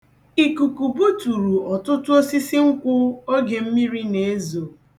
Ikuku buturu ọtụtụ osisi nkwụ oge mmiri na-ezo.